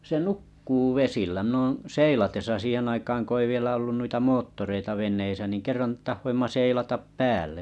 se se nukkuu vesillä minä olen seilatessa siihen aikaan kun ei vielä ollut noita moottoreita veneissä niin kerran tahdoimme seilata päälle